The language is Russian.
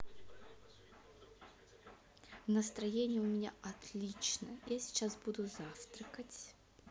настроение у меня отлично я сейчас буду завтракать